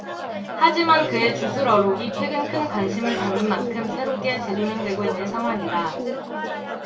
하지만 그의 주술 어록이 최근 큰 관심을 받는 만큼 새롭게 재조명되고 있는 상황이다